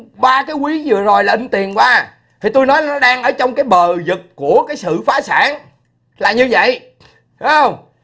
ba cái quý vừa rồi là in tiền qua thì tôi nói nó đang ở trong cái bờ vực của cái sự phá sản là như vậy thấy không